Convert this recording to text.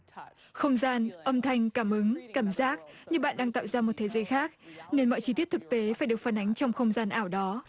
không gian âm thanh cảm ứng cảm giác như bạn đang tạo ra một thế giới khác nên mọi chi tiết thực tế phải được phản ánh trong không gian ảo đó